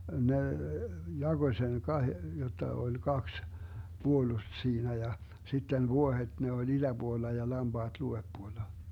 ne jakoi sen - jotta oli kaksi puolusta siinä ja sitten vuohet ne oli itäpuolella ja lampaat luodepuolella